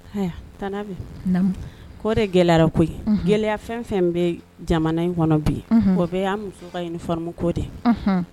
Ayiwa tan'a kɔ de gɛlɛya ko ye gɛlɛya fɛn fɛn bɛ jamana in kɔnɔ bi bɛɛ'a muso ka ɲinimu ko tɛ